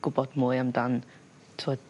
gwbod mwy amdan t'wod